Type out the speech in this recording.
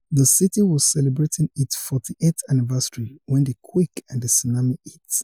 The city was celebrating its 40th anniversary when the quake and tsunami hit.